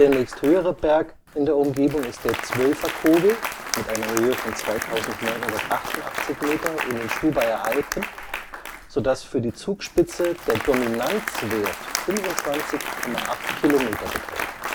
nächsthöhere Berg in der Umgebung ist der Zwölferkogel [Anm. 1] (2988 m) in den Stubaier Alpen, so dass für die Zugspitze der Dominanz-Wert 25,8 km beträgt